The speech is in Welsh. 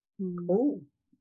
Hmm. O!